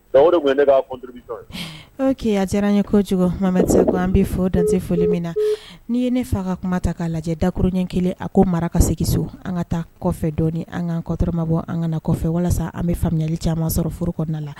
B'a ɔ keya diyara ye ko cogomɛ se ko an bɛ fɔdte foli min na ni ye ne fa ka kuma ta k'a lajɛ dakurunrɲɛ kelen a ko mara ka segin so an ka taa dɔ an ka kan kɔtɔma bɔ an ka kɔfɛ walasa an bɛ faamuyali caman sɔrɔ furu kɔnɔna la